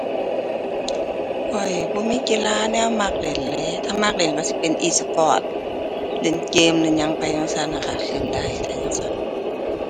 ข้อยบ่มีกีฬาแนวมักเล่นเลย ถ้ามักเล่นก็สิเป็น E-sport เล่นเกมเล่นหยังไปจั่งซั้นน่ะค่ะ เล่นได้ ถ้าจั่งซั้น